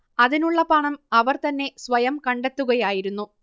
അതിനുള്ള പണം അവർ തന്നെ സ്വയം കണ്ടെത്തുകയായിരുന്നു